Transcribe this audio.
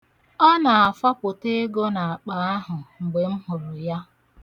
Ọ na-afọpụta ego n'akpa ahụ mgbe m hụrụ ya.